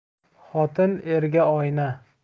xotin erga oyina